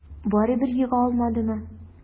Барыбер ега алмадымы?